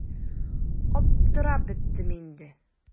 Аптырап беттем инде.